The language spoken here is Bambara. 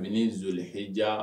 Minizuluhijaa